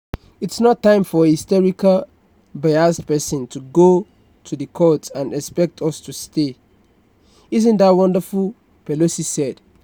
"It's not time for a hysterical, biased person to go to the court and expect us to say, 'isn't that wonderful,'" Pelosi said.